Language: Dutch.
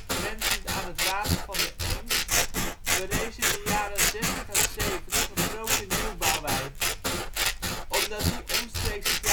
grenzend aan het water van de Eems, verrees in de jaren zestig en zeventig een grote nieuwbouwwijk. Omdat die omstreeks